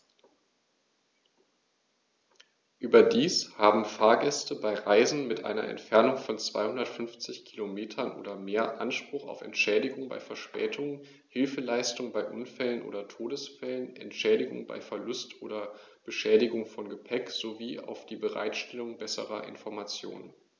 Überdies haben Fahrgäste bei Reisen mit einer Entfernung von 250 km oder mehr Anspruch auf Entschädigung bei Verspätungen, Hilfeleistung bei Unfällen oder Todesfällen, Entschädigung bei Verlust oder Beschädigung von Gepäck, sowie auf die Bereitstellung besserer Informationen.